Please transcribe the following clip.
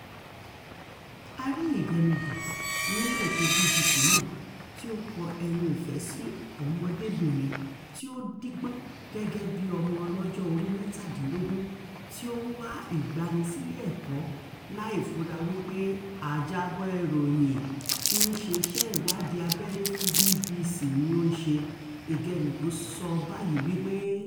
A rí Igbeneghu nínúu ètòo BBC náà tí ó kọ ẹnu ìfẹ́ sí ọmọdébìnrin tí ó díbọ́n gẹ́gẹ́ bí ọmọ ọlọ́jọ́ orí mẹ́tàdínlógún tí ó ń wà ìgbanisílé ẹ̀kọ́ láì fura wípé ajábọ̀ ìròyìn tí ó ń ṣe iṣẹ́ ìwádìí abẹ́lẹ̀ fún BBC ni ó ń ṣe. Igbeneghu sọ báyìí wípé: